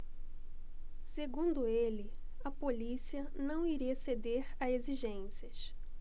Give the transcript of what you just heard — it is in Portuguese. segundo ele a polícia não iria ceder a exigências